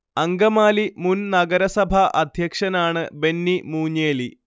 അങ്കമാലി മുൻ നഗരസഭാ അധ്യക്ഷനാണ് ബെന്നി മൂഞ്ഞേലി